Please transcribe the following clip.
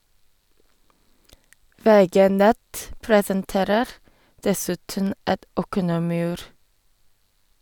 VG Nett presenterer dessuten et Økonomiur.